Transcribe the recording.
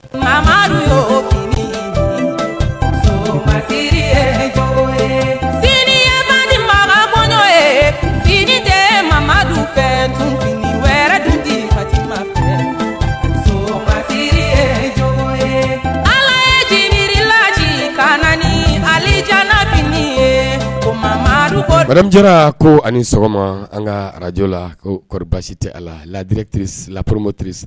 Mamamadu ma ye jma ni mama ye jigijɛ mamamadu bɛ dumuni wɛrɛji ma fɛ ma teri ye ala ye j laji ka ni alija min ye ko ma mamadu bara jɛra ko ani sɔgɔma an ka arajo la kariɔri basi tɛ a laadire lapororomotiririsi